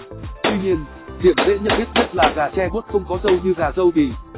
tuy nhiên điểm dễ nhận biết nhất là gà tre bốt không có râu như gà râu bỉ